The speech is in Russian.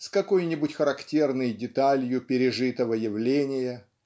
с какой-нибудь характерной деталью пережитого явления.